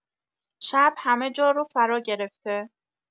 شب همه جا رو فراگرفته!